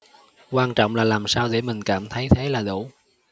quan trọng là làm sao để mình cảm thấy thế là đủ